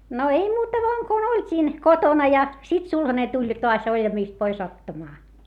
no ei muuta vain kun oltiin kotona ja sitten sulhanen tuli taas oljamista pois ottamaan